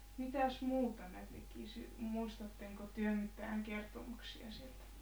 mitäs muuta ne teki - muistatteko te mitään kertomuksia sieltä